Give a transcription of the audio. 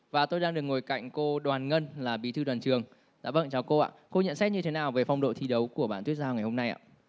và tôi đang được ngồi cạnh cô đoàn ngân là bí thư đoàn trường dạ vâng chào cô ạ cô nhận xét như thế nào về phong độ thi đấu của bạn tuyết giao ngày hôm nay ạ